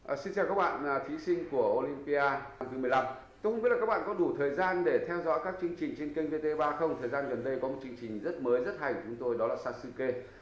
xin chào các bạn à thí sinh của ô lim pi a năm thứ mười lăm tôi không biết là các bạn có đủ thời gian để theo dõi các chương trình trên kênh vê tê ba không thời gian gần đây có một chương trình rất mới rất hay của chúng tôi đó là sa su kê